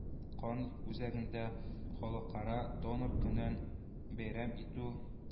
Кан үзәгендә халыкара донор көнен бәйрәм итү